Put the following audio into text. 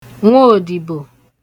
nwoòdìbò